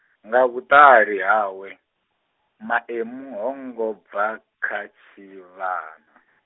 nga vhuṱali hawe, Maemu ho ngo bva nga tshivhana.